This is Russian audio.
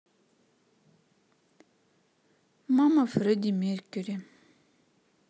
мама фредди меркьюри